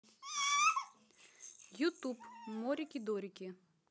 ютуб морики дорики